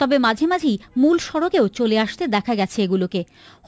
তবে মাঝে মাঝেই মূল সড়কে ও চলে আসে